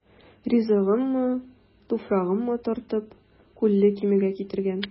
Ризыгыммы, туфрагыммы тартып, Күлле Кимегә китергән.